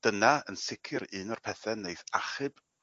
dyna yn sicr un o'r pethe neith achub